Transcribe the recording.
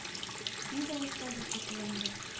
Нидер әйткән төсле кылынды.